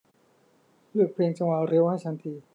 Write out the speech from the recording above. เลือกเพลงจังหวะเร็วให้ฉันที